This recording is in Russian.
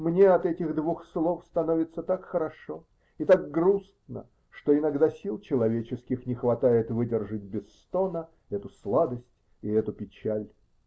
Мне от этих двух слов становится так хорошо и так грустно, что иногда сил человеческих не хватает выдержать без стона эту сладость и эту печаль.